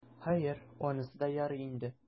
Хәер, анысы да ярый инде.